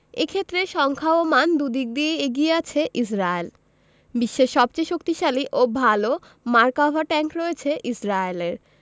এ ক্ষেত্রে সংখ্যা ও মান দুদিক দিয়েই এগিয়ে আছে ইসরায়েল বিশ্বের সবচেয়ে শক্তিশালী ও ভালো মার্কাভা ট্যাংক রয়েছে ইসরায়েলের